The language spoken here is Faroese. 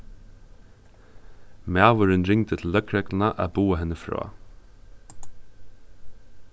maðurin ringdi til løgregluna at boða henni frá